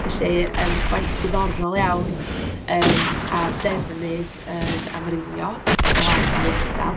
Felly, yym gwaith diddorol iawn, yym a'r defnydd yn amrywio o ardal i ardal.